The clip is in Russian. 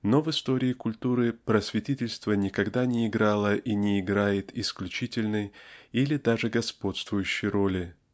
но в истории культуры просветительство никогда не играло и не играет исключительной или даже господствующей роли